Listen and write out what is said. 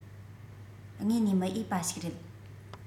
དངོས ནས མི འོས པ ཞིག རེད